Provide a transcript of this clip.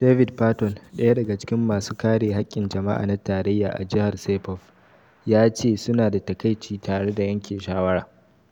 David Patton, daya daga cikin masu kare hakkin jama'a na tarayya a jihar Saipov, ya ce su na da "takaici" tare da yanke shawara.